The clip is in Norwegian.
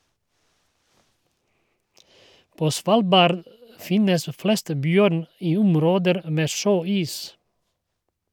På Svalbard finnes flest bjørn i områder med sjøis.